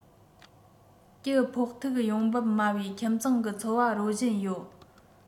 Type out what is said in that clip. གྱི ཕོག ཐུག ཡོང འབབ དམའ བའི ཁྱིམ ཚང གི འཚོ བ རོལ བཞིན ཡོད